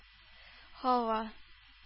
Һава